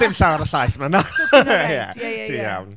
Sdim llawer o llais fyna... Ie ie ie ....Mae'n oreit, dwi'n iawn.